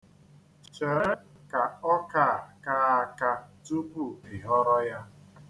Chere ka ọka a kaa aka tupu ị ghọrọ ya.